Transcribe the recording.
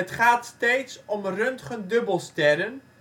gaat steeds om röntgendubbelsterren